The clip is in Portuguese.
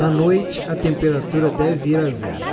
à noite a temperatura deve ir a zero